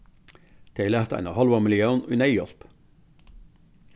tey lata eina hálva millión í neyðhjálp